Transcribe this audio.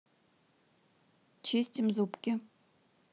чистим зубки